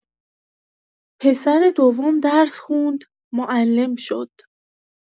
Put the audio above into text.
پسر دوم درس خوند، معلم شد.